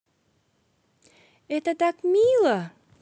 это так мило